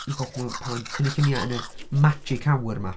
Rywbeth ma- pan mae o'n tynnu lluniau yn y magic hour yma.